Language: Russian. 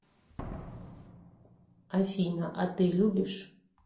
афина а ты любишь